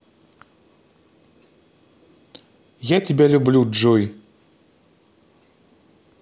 я тебя люблю джой